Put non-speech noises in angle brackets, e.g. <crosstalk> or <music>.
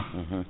<hesitation> <hesitation>